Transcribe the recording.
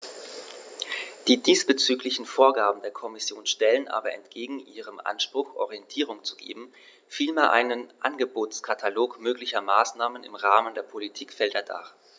Die diesbezüglichen Vorgaben der Kommission stellen aber entgegen ihrem Anspruch, Orientierung zu geben, vielmehr einen Angebotskatalog möglicher Maßnahmen im Rahmen der Politikfelder dar.